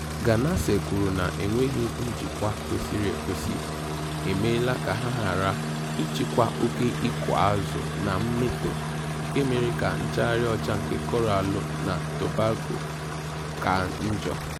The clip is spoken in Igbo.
Ganase kwuru na enweghị njikwa kwesịrị ekwesị emeela ka ha ghara ịchịkwa oke ịkụazụ na mmetọ nke mere ka nchagharị ọcha nke Koraalụ na Tobago ka njọ.